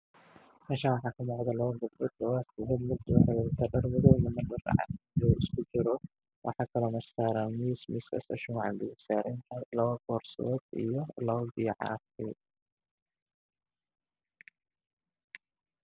Meeshaan waxaa ka muuqdo labo gabdhood gabdhahaas mid ka mid eh waxay watadaa dhar madow eh midna dhar cadaan isku jiro waxaa kaloo meesha saaran miis saaran tahay labo boor sadood labo biyo caafiya